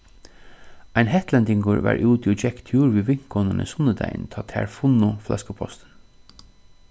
ein hetlendingur var úti og gekk túr við vinkonuni sunnudagin tá tær funnu fløskupostin